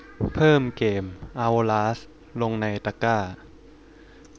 เพิ่มเกมเอ้าลาสลงในตะกร้า